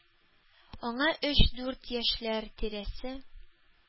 Аңа өч дүрт яшьләр тирәсе,